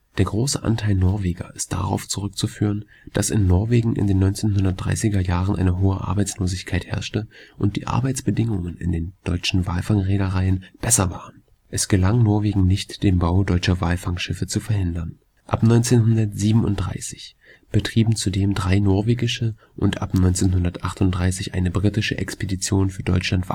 Der große Anteil Norweger ist darauf zurückzuführen, dass in Norwegen in den 1930 - er Jahren eine hohe Arbeitslosigkeit herrschte und die Arbeitsbedingungen in den deutschen Walfangreedereien besser waren. Es gelang Norwegen nicht den Bau deutscher Walfangschiffe zu verhindern. Ab 1937 betrieben zudem drei norwegische und ab 1938 eine britische Expedition für Deutschland